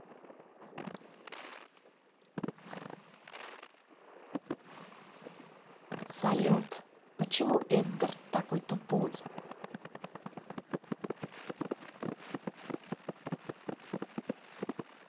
салют почему эддард такой тупой